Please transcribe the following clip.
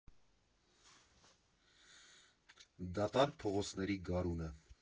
Դատարկ փողոցների գարունը։